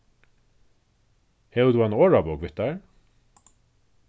hevur tú eina orðabók við tær